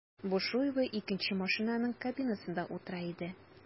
Бушуева икенче машинаның кабинасында утыра иде.